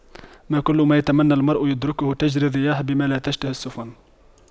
ما كل ما يتمنى المرء يدركه تجرى الرياح بما لا تشتهي السفن